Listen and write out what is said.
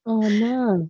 O na!